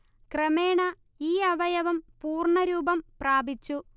ക്രമേണ ഈ അവയവം പൂർണ്ണ രൂപം പ്രാപിച്ചു